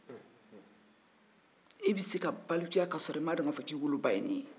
i bɛ se ka balikuya k'a sɔrɔ i m'a dɔn k'i woloba ye nin ye